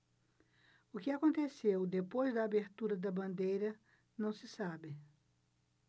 o que aconteceu depois da abertura da bandeira não se sabe